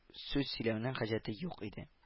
Сүз сөйләүнең хаҗәте юк иде